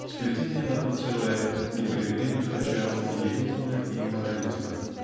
сплетение в одно целое непримиримых начал нигилизма и морализма.